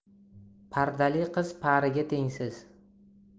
pardali qiz pariga tengsiz